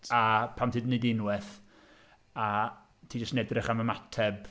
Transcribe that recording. A pan ti 'di wneud unwaith a ti jyst yn edrych am ymateb...